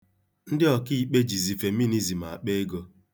Ndị ọkaikpe jizi feminizm akpa ego.